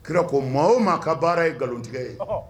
Kirako maa o maa ka baara ye nkalontigɛ ye